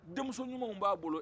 denmuso ɲumanw b'a bolo